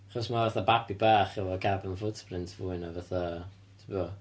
Achos ma' fatha babi bach efo carbon footprint fwy na fatha, tibod be dwi'n feddwl?